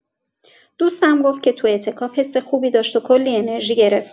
دوستم گفت که تو اعتکاف حس خوبی داشت و کلی انرژی گرفت.